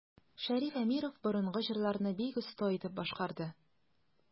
Шәриф Әмиров борынгы җырларны бик оста итеп башкарды.